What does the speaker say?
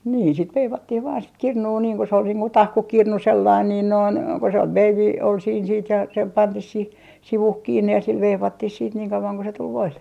niin sitten veivattiin vain sitä kirnua niin kun se oli niin kuin tahkukirnu sellainen niin noin kun se veivi oli siinä sitten ja se pantiin siihen sivuun kiinni ja sillä veivattiin sitten niin kauan kuin se tuli voille